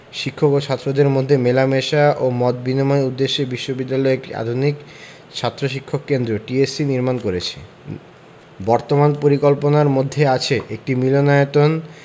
শিক্ষক ও ছাত্রদের মধ্যে মেলামেশা ও মত বিনিময়ের উদ্দেশ্যে বিশ্ববিদ্যালয় একটি আধুনিক ছাত্র শিক্ষক কেন্দ্র টিএসসি নির্মাণ করছে বর্তমান পরিকল্পনার মধ্যে আছে একটি মিলনায়তন